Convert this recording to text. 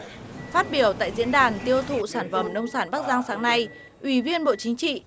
phát biểu tại diễn đàn tiêu thụ sản phẩm nông sản bắc giang sáng nay ủy viên bộ chính trị